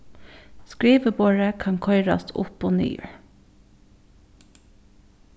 skriviborðið kann koyrast upp og niður